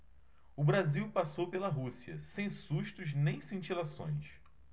o brasil passou pela rússia sem sustos nem cintilações